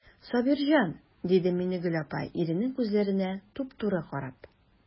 Сабирҗан,– диде Миннегөл апа, иренең күзләренә туп-туры карап.